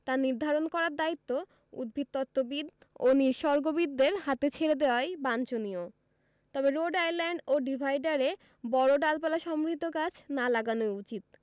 তা নির্ধারণ করার দায়িত্ব উদ্ভিদতত্ত্ববিদ ও নিসর্গবিদদের হাতে ছেড়ে দেয়াই বাঞ্ছনীয় তবে রোড আইল্যান্ড ও ডিভাইডারে বড় ডালপালাসমৃদ্ধ গাছ না লাগানোই উচিত